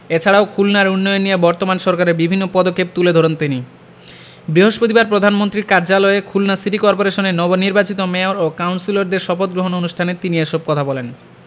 এছাড়াও খুলনার উন্নয়ন নিয়ে বর্তমান সরকারের বিভিন্ন পদক্ষেপ তুলে ধরেন তিনি বৃহস্পতিবার প্রধানমন্ত্রীর কার্যালয়ে খুলনা সিটি কর্পোরেশনের নবনির্বাচিত মেয়র ও কাউন্সিলরদের শপথগ্রহণ অনুষ্ঠানে তিনি এসব কথা বলেন